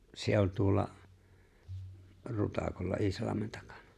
se oli tuolla Rutakolla Iisalmen takana